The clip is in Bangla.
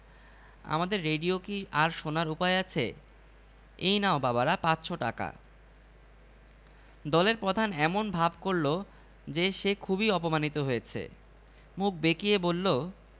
সিদ্দিককে ভোট দেবেন না এতদূর এসে পিছিয়ে পড়াটা ঠিক হবে কি না তাও বুঝতে পারছেন না টাকা খরচ হচ্ছে জলের মত সব সংগঠনকে টাকা দিতে হচ্ছে